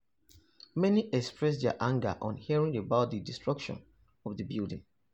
Many expressed their anger on hearing about the destruction of the building.